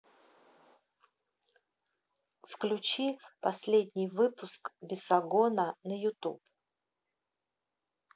включи последний выпуск бесогона на ютуб